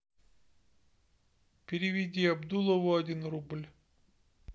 переведи абдулову один рубль